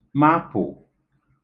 mapụ̀